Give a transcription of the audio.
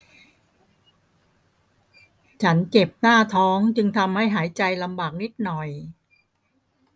ฉันเจ็บหน้าท้องจึงทำให้หายใจลำบากนิดหน่อย